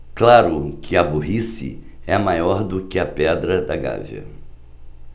claro que a burrice é maior do que a pedra da gávea